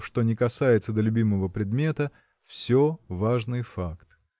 что ни касается до любимого предмета все важный факт.